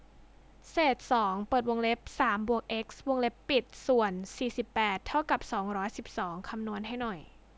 เศษสองเปิดวงเล็บสามบวกเอ็กซ์วงเล็บปิดส่วนสี่สิบแปดเท่ากับสองร้อยสิบสองคำนวณให้หน่อย